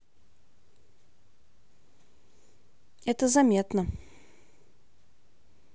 это заметно